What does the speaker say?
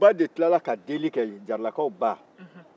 u ba de tila ka deli kɛ jaalakaw ba